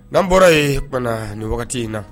N'an bɔra yen kuma nin wagati in na